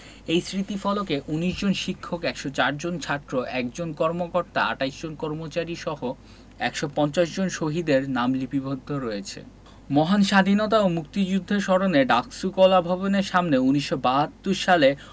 এই স্থিতিফলকে ১৯ জন শিক্ষক ১০৪ জন ছাত্র ১ জন কর্মকর্তা ২৮ জন কর্মচারীসহ ১৫০ জন শহীদের নাম লিপিবদ্ধ হয়েছে মহান স্বাধীনতা ও মুক্তিযুদ্ধের স্মরণে ডাকসু কলাভবনের সামনে ১৯৭২ সালে